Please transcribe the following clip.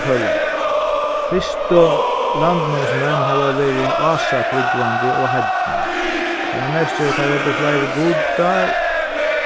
føroyum fyrstu landnámsmenn hava verið ásatrúgvandi og heidnir tað merkir at teir høvdu fleiri gudar